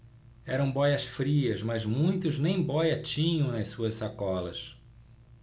eram bóias-frias mas muitos nem bóia tinham nas suas sacolas